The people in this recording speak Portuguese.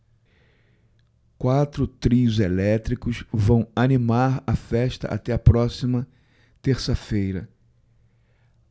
quatro trios elétricos vão animar a festa até a próxima terça-feira